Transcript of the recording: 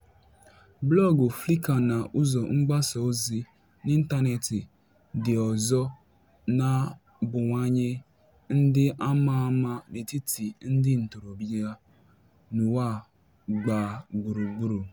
Blọọgụ, Flickr na ụzọ mgbasa ozi n'ịntanetị ndị ọzọ na-abụwanye ndị àmà àmá n'etiti ndị ntorobịa n'ụwa gbaa gburugburu.